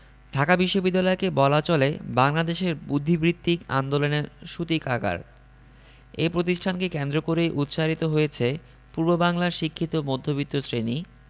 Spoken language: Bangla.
ঢাকা বিশ্ববিদ্যালয়কে বলা চলে বাংলাদেশের বুদ্ধিবৃত্তিক আন্দোলনের সূতিকাগার এ প্রতিষ্ঠানকে কেন্দ্র করেই উৎসারিত হয়েছে পূর্ববাংলার শিক্ষিত মধ্যবিত্ত শ্রেণি